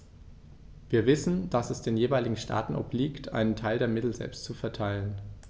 Wir wissen, dass es den jeweiligen Staaten obliegt, einen Teil der Mittel selbst zu verteilen.